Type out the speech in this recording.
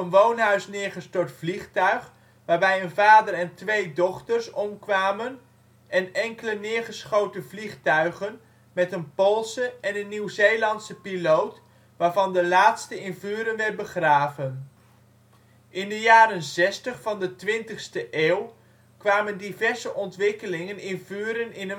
woonhuis neergestort vliegtuig waarbij een vader en twee dochters (zie foto) omkwamen en enkele neergeschoten vliegtuigen met een Poolse en een Nieuw-Zeelandse piloot, waarvan de laatste in Vuren werd begraven. In de jaren zestig van de twintigste eeuw kwamen diverse ontwikkelingen in Vuren in